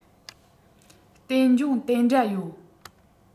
ལྟོས འབྱུང དེ འདྲ ཡོད